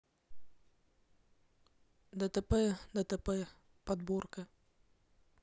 дтп дтп подборка